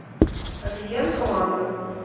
обезьянка манго